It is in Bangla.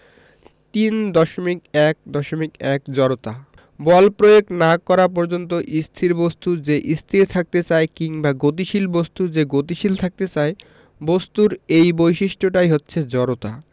৩.১.১ জড়তা বল প্রয়োগ না করা পর্যন্ত স্থির বস্তু যে স্থির থাকতে চায় কিংবা গতিশীল বস্তু যে গতিশীল থাকতে চায় বস্তুর এই বৈশিষ্ট্যটাই হচ্ছে জড়তা